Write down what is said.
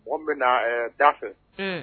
Mɔgɔ min bɛna ɛ da fɛ, un